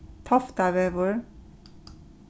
toftavegur